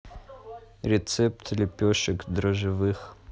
рецепт лепешек дрожжевых